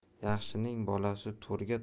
yaxshining bolasi to'rga